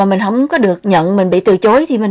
mình không có được nhận mình bị từ chối thì mình